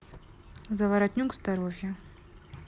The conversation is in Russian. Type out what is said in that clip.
заворотнюк здоровье